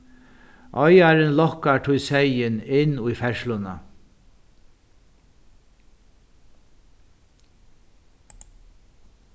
eigarin lokkar tí seyðin inn í ferðsluna